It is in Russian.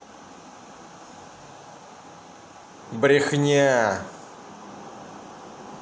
брехня